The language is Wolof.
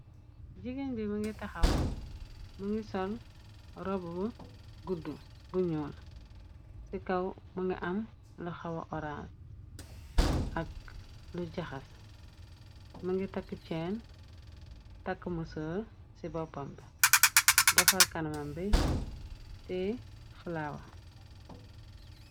jigéen bi ma ngi taxaw më ngi sol rob b gudd gu ñuul ci kaw më nga am lu xawa oraas ak lu jaxas më nga takku ceen tàkk mu sër ci boppam b defar kanmam bi te flawa